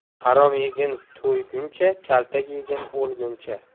harom yegin to'yguncha kaltak yegin o'lguncha